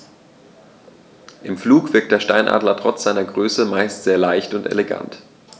Im Flug wirkt der Steinadler trotz seiner Größe meist sehr leicht und elegant.